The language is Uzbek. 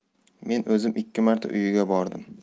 men o'zim ikki marta uyiga bordim